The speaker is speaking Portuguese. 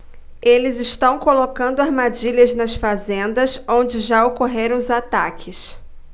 eles estão colocando armadilhas nas fazendas onde já ocorreram os ataques